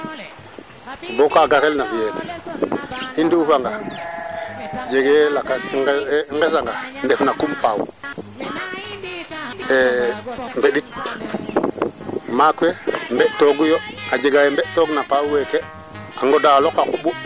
i kaaga mbaaw ke naanga mbaawa mbi tooge soo a rend anga qañke ama mbe ley aan te leya feda faak ndiiki ax ka njila taan ndaa a nax duuf